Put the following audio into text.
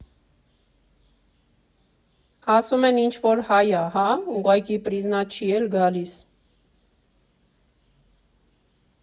Ասում են ինչ֊որ հայ ա, հա՞, ուղղակի պռիզնատ չի էլ գալիս։